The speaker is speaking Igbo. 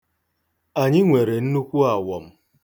Anyị nwere nnukwu awọm.